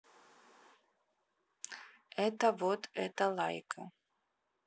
это вот это лайка